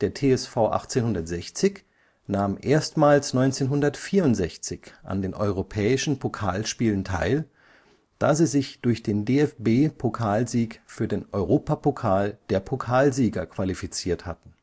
TSV 1860 nahm erstmals 1964 an den europäischen Pokalspielen teil, da sie sich durch den DFB-Pokalsieg für den Europapokal der Pokalsieger qualifiziert hatten